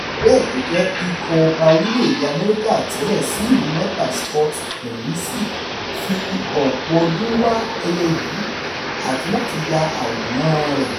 Bẹ́ẹ̀ gẹ́gẹ́, ikọ̀-ọba orílẹ̀-èdè America tẹ́lẹ̀ sí ìlú Nepal Scott DeLisi fi ọ̀pọ̀ ọdún wá ẹyẹ yìí àti láti ya àwòrán-an rẹ̀.